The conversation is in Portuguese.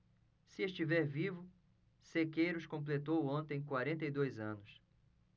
se estiver vivo sequeiros completou ontem quarenta e dois anos